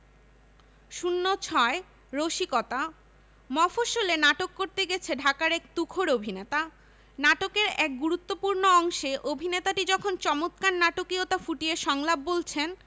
০৬ রসিকতা মফশ্বলে নাটক করতে গেছে ঢাকার এক তুখোর অভিনেতা নাটকের এক গুরুত্তপূ্র্ণ অংশে অভিনেতাটি যখন চমৎকার নাটকীয়তা ফুটিয়ে সংলাপ বলছেন